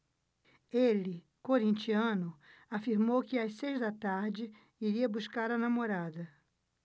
ele corintiano afirmou que às seis da tarde iria buscar a namorada